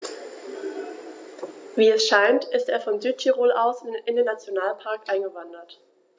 Wie es scheint, ist er von Südtirol aus in den Nationalpark eingewandert.